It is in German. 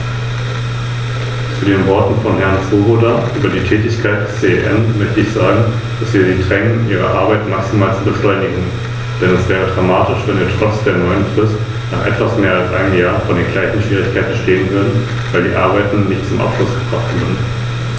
Zu dieser Verbrauchergruppe gehören vor allem Klein- und Mittelbetriebe, Händler und Familienunternehmen, und über EU-Instrumente, die Klein- und Mittelbetriebe finanziell unterstützen sollen, wurde gerade in dieser Sitzungsperiode diskutiert.